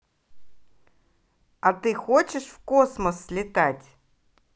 а ты хочешь в космос слетать